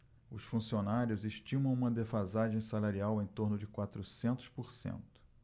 os funcionários estimam uma defasagem salarial em torno de quatrocentos por cento